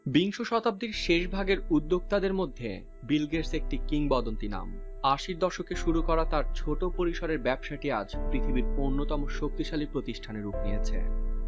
বিংশ শতাব্দীর শেষভাগে উদ্যোক্তাদের মধ্যে বিল গেটস একটি কিংবদন্তি নাম আশির দশকে শুরু করা ছোট পরিসরের ব্যবসাটি পৃথিবীর অন্যতম শক্তিশালী প্রতিষ্ঠান রূপ দিয়েছে